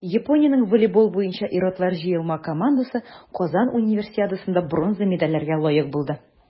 Япониянең волейбол буенча ир-атлар җыелма командасы Казан Универсиадасында бронза медальләргә лаек булды.